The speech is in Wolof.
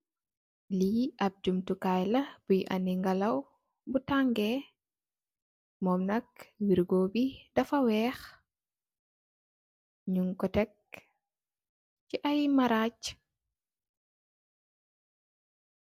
Li ap jumtukai la buy andi ngalaw bu tangèh . Mom nak wirgo bi dafa wèèx ñiñ ko tek ci ap Maraj.